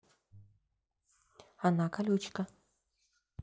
она колючка